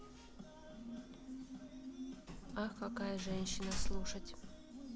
ах какая женщина слушать